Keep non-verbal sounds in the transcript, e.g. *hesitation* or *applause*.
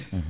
*hesitation* *hesitation*